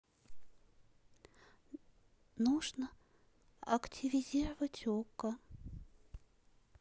нужно авторизировать окко